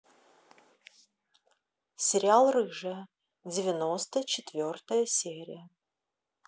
сериал рыжая девяносто четвертая серия